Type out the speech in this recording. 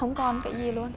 không còn cái gì luôn